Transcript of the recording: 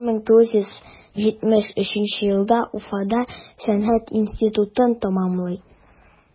1973 елда уфада сәнгать институтын тәмамлый.